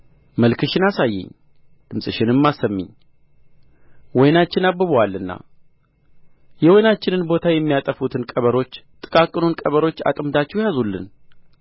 መልክሽን አሳዪኝ ድምፅሽንም አሰሚኝ ወይናችን አብቦአልና የወይናችንን ቦታ የሚያጠፉትን ቀበሮች ጥቃቅኑን ቀበሮች አጥምዳችሁ ያዙልን